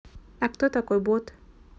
а кто такой бот